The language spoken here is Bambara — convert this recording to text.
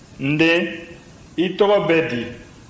n den i tɔgɔ bɛ di